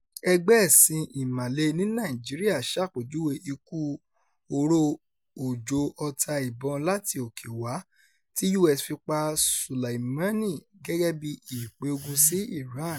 Ẹgbẹ́ Ẹ̀sìn Ìmàle ní Nàìjíríà ṣàpèjúwe ikú oró òjò ọta ìbọn láti òkè wá tí US fi pa Soleimani gẹ́gẹ́ bí "ìpè ogun sí Ìran".